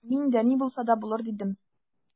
Мин дә: «Ни булса да булыр»,— дидем.